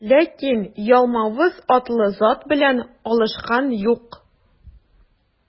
Ләкин Ялмавыз атлы зат белән алышкан юк.